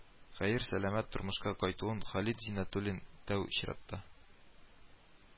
Хәер, сәламәт тормышка кайтуын Халит Зиннәтуллин, тәү чиратта